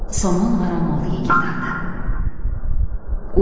somon g'arami oldiga ketardi